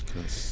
CNAAS